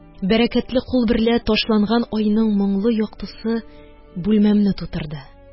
Бәрәкәтле кул берлә ташланган айның моңлы яктысы бүлмәмне тутырды.